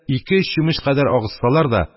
Гадәттә, ике-өч чүмеч кадәр агызсалар да,